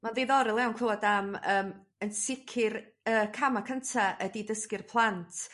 Ma'n ddiddorol iawn clwad am yym yn sicyr y cama' cynta ydi dysgu'r plant